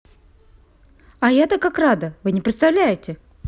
а я то как рада вы не представляете